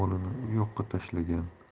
ro'molini u yoqqa tashlagan